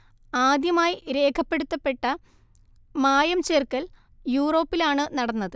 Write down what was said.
ആദ്യമായി രേഖപ്പെടുത്തപ്പെട്ട മായം ചേർക്കൽ യൂറോപ്പിലാണ് നടന്നത്